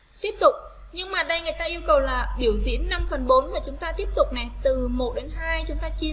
tiếp tục nhưng mà người ta yêu cầu là biểu diễn và chúng ta tiếp tục này từ đến trên